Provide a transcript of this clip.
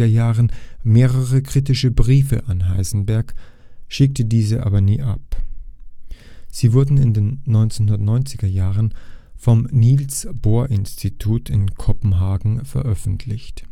Jahren mehrere kritische Briefe an Heisenberg, schickte diese aber nie ab. Sie wurden in den 1990er Jahren vom Niels-Bohr-Institut in Kopenhagen veröffentlicht